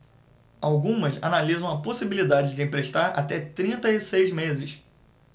algumas analisam a possibilidade de emprestar até trinta e seis meses